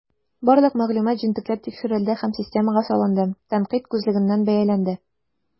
Барлык мәгълүмат җентекләп тикшерелде һәм системага салынды, тәнкыйть күзлегеннән бәяләнде.